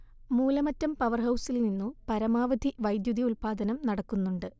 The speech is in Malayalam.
മൂലമറ്റം പവർഹൗസിൽ നിന്നു പരമാവധി വൈദ്യുതി ഉൽപാദനം നടക്കുന്നുണ്ട്